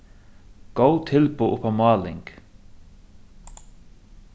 góð tilboð upp á máling